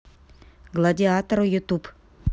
гладиатор ютуб